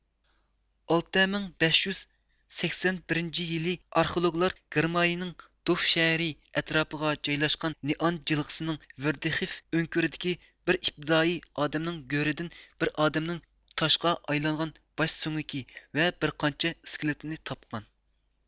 ئالتە مىڭ بەش يۈز سەكسەن بىرىنچى يىلى ئارخېئولوگلار گېرمانىيىنىڭ دوف شەھىرى ئەتراپىغا جايلاشقان نېئان جىلغىسىنىڭ ۋىردىخىف ئۆڭكۈرىدىكى بىر ئىپتىدائىي ئادەمنىڭ گۆرىدىن بىر ئادەمنىڭ تاشقا ئايلانغان باش سۆڭىكى ۋە بىرقانچە ئىسكىلىتىنى تاپقان